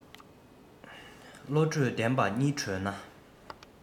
བློ གྲོས ལྡན པ གཉིས བགྲོས ན